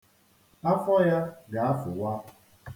Afọ ya ga-afụwa.